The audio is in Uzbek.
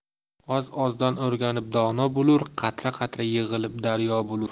oz ozdan o'rganib dono bo'lur qatra qatra yig'ilib daryo bo'lur